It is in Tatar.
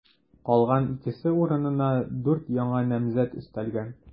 Калган икесе урынына дүрт яңа намзәт өстәлгән.